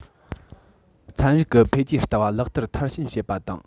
ཚན རིག གི འཕེལ རྒྱས ལྟ བ ལག བསྟར མཐར ཕྱིན བྱེད པ དང